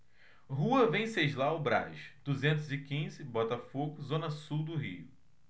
rua venceslau braz duzentos e quinze botafogo zona sul do rio